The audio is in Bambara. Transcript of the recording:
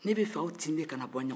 ne b'a fɛ anw tinw de kana bɔ ɲɔgɔn na